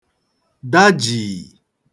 da jìì